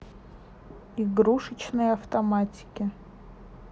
игрушечный автоматики